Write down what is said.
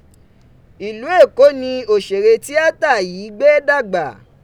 Ilu Eko ni oṣere tiata yii gbe dagba.